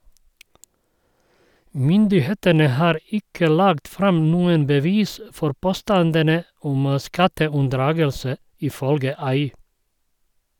Myndighetene har ikke lagt fram noen bevis for påstandene om skatteunndragelse, ifølge Ai.